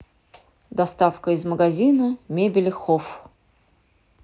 доставка из магазина мебели хофф